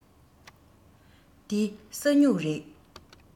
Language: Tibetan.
འདི ས སྨྱུག རེད